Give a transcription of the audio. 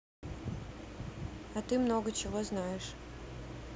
а ты много чего знаешь